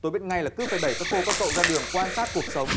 tôi biết ngay là cứ phải đẩy các cô các cậu ra đường qua sát cuộc sống